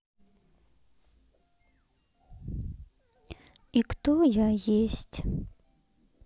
и кто я есть